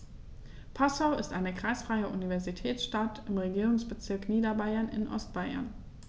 Passau ist eine kreisfreie Universitätsstadt im Regierungsbezirk Niederbayern in Ostbayern.